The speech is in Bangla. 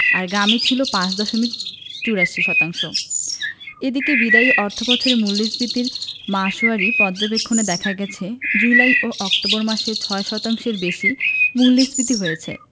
আর গ্রামে ছিল ৫ দশমিক ৮৪ শতাংশ এদিকে বিদায়ী অর্থবছরের মূল্যস্ফীতির মাসওয়ারি পর্যবেক্ষণে দেখা গেছে জুলাই ও অক্টোবর মাসে ৬ শতাংশের বেশি মূল্যস্ফীতি হয়েছে